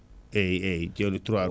eyyi eyyi joni 3 roue